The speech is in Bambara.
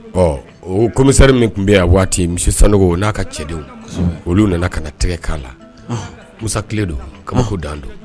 Ɔ o comisari min tun bɛ yan waati misi sali n'a ka cɛdenw olu nana ka na tɛgɛ k'a la muti don kaba dan don